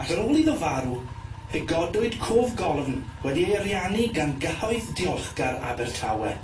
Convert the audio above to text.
Ac ar ôl iddo farw fe godwyd cof golofn wedi ei ariannu gan gyhoedd diolchgar Abertawe.